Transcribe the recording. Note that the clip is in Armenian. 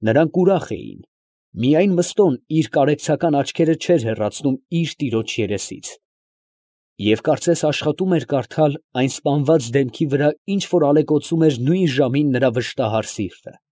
Նրանք ուրախ էին. միայն Մըստոն իր կարեկցական աչքերը չէր հեռացնում իր տիրոջ երեսից, և կարծես աշխատում էր կարդալ այն սպանված դեմքի վրա ինչ որ ալեկոծում էր նույն ժամին նրա վշտահար սիրտը։